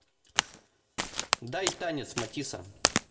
дай танец матиса